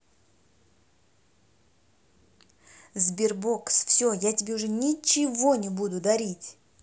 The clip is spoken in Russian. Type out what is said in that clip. sberbox все я тебя уже ничего не буду дарить